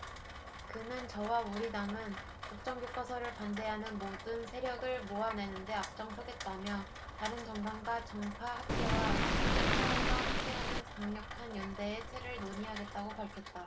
그는 저와 우리 당은 국정교과서를 반대하는 모든 세력을 모아내는 데 앞장서겠다며 다른 정당과 정파 학계와 시민사회가 함께하는 강력한 연대의 틀을 논의하겠다고 밝혔다